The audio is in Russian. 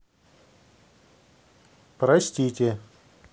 постройте